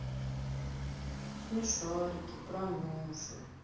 смешарики про нюшу